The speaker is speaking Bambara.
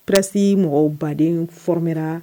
Pressi mɔgɔw baden fmera